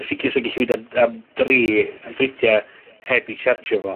...sicir 'sa'n gellu mynd am, am dri, am dridie heb 'i tsiarjio fo.